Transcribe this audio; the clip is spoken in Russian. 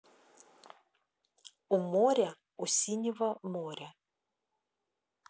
у моря у синего моря